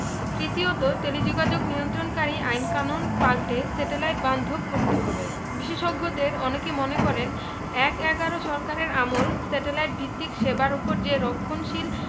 তৃতীয়ত টেলিযোগাযোগ নিয়ন্ত্রণকারী আইনকানুন পাল্টে স্যাটেলাইট বান্ধব করতে হবে বিশেষজ্ঞদের অনেকে মনে করেন এক–এগারো সরকারের আমল স্যাটেলাইট ভিত্তিক সেবার ওপর যে রক্ষণশীল